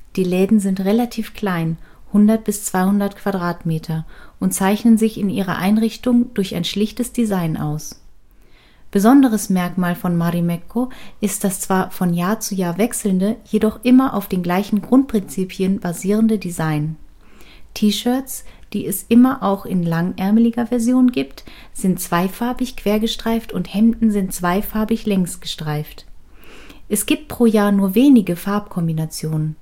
Die Läden sind relativ klein (100-200 Quadratmeter) und zeichnen sich in ihrer Einrichtung durch ein schlichtes Design aus. Besonderes Merkmal von Marimekko ist das zwar von Jahr zu Jahr wechselnde, jedoch immer auf den gleichen Grundprinzipien basierende Design: T-Shirts (die es immer auch in langärmeliger Version gibt) sind zweifarbig quer gestreift und Hemden sind zweifarbig längs gestreift. Es gibt pro Jahr nur wenige Farbkombinationen